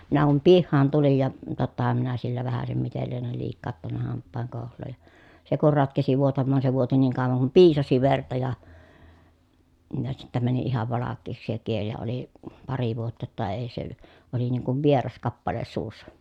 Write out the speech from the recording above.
minä kun pihaan tulin ja tottahan minä sillä vähäisen miten liene liikauttanut hampaan kouhloa ja se kun ratkesi vuotamaan se vuoti niin kauan kuin piisasi verta ja ja sitten meni ihan valkeaksi se kieli ja oli pari vuotta jotta ei se oli niin kuin vieras kappale suussa